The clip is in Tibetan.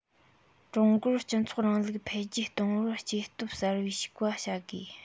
ཀྲུང གོར སྤྱི ཚོགས རིང ལུགས འཕེལ རྒྱས གཏོང བར སྐྱེ སྟོབས གསར པས ཕྱུག པ བྱ དགོས